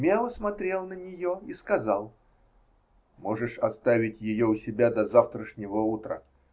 Мео смотрел на нее и сказал: "Можешь оставить ее у себя до завтрашнего утра.